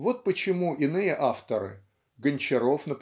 Вот почему иные авторы (Гончаров